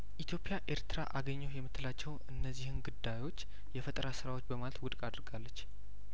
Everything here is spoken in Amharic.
ኢትዮፕያ ኤርትራ አገኘሁ የምትላቸውን እነዚህን ግዳዮች የፈጠራ ስራዎች በማለት ውድቅ አድርጋለች